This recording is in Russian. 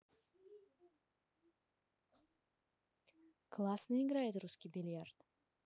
классный играет русский бильярд